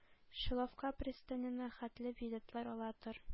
Шиловка пристанена хәтле билетлар ала тор.